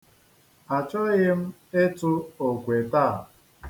Achọghị m ịtụ okwe taa.